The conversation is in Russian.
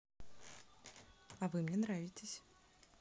а вы мне нравитесь